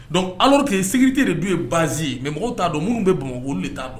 Donc alake selite de don ye basiz ye mɛ mɔgɔ t'a dɔn minnu bɛ bamakɔ de ta